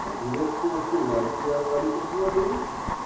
От немецкого всевластия остались одни огрызки.